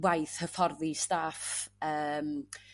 waith hyfforddi staff yym